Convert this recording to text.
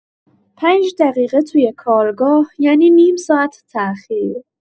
پنج دقیقه توی کارگاه یعنی نیم ساعت تأخیر.